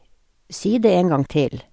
Si det en gang til.